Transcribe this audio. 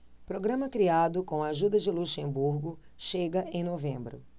programa criado com a ajuda de luxemburgo chega em novembro